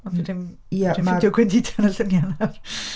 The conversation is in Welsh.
Ond fedra i'm ffeindio gwendidau yn y lluniau.